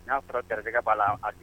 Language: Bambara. N y'a sɔrɔ garigɛ b'a la